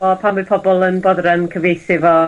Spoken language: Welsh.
o pam fydd pobol yn bothyran cyfieithu fo...